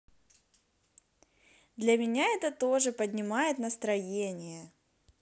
для меня это тоже поднимает настроение